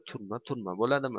turma turma bo'ladimi